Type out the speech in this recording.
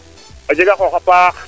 a jega xooxa paax